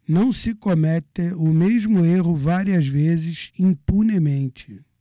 não se comete o mesmo erro várias vezes impunemente